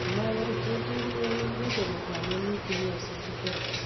Amma yarjejeniyoyin rage makaman nukiliyar sun ci tura.